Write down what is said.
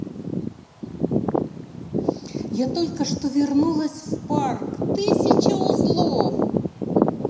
я только что вернулась в park тысяча узлов